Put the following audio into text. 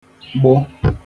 gḃ